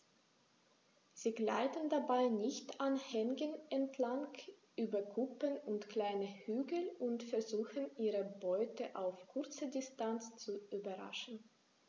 Sie gleiten dabei dicht an Hängen entlang, über Kuppen und kleine Hügel und versuchen ihre Beute auf kurze Distanz zu überraschen.